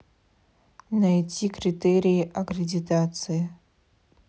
найти критерии аккредитации